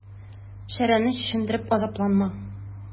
Шәрәне чишендереп азапланма.